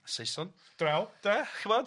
Saeson draw 'de chimod?